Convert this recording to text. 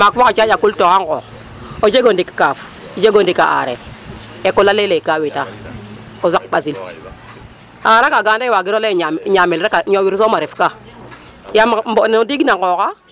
Maaak fa xa caaƈ a qultooxa nqoox ;o jeg o ndik kaaf, jeg o ndik a aareer école "a layel ee ka wetaa o sak ɓasil a aar aka anda ye waagiro laye ñaamel rek a ñoowir soom a refka ya mboɓ ne ndiigna nqooxaa.